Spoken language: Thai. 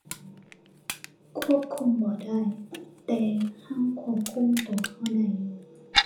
ควบคุมบ่ได้ แต่เราควบคุมเราเราได้อยู่